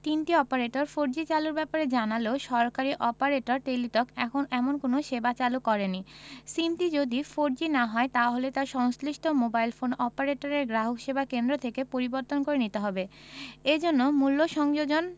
তিনটি operator four G চালুর ব্যাপারে জানালেও সরকারি অপারেটর টেলিটক এমন কোনো সেবা চালু করেনি সিমটি যদি ফোরজি না হয় তাহলে তা সংশ্লিষ্ট মোবাইল ফোন অপারেটরের গ্রাহকসেবা কেন্দ্র থেকে পরিবর্তন করে নিতে হবে এ জন্য মূল্য সংযোজন